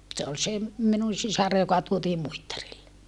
se oli se minun sisar joka tuotiin Muittarille